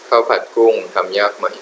ข้าวผัดกุ้งทำยากไหม